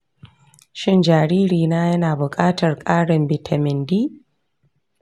shin jaririna yana buƙatar ƙarin bitamin d?